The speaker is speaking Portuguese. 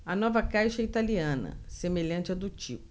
a nova caixa é italiana semelhante à do tipo